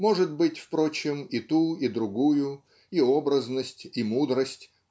Может быть, впрочем, и ту, и другую и образность, и мудрость